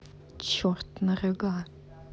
черт на рога